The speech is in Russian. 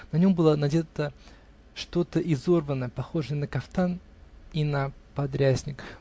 На нем было надето что-то изорванное, похожее на кафтан и на подрясник